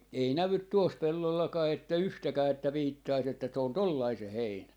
ei näy tuossa pellollakaan että yhtäkään että viittaisi että se on tuollainen se heinä